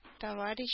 Товарищ